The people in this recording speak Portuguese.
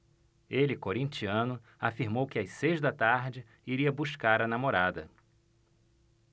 ele corintiano afirmou que às seis da tarde iria buscar a namorada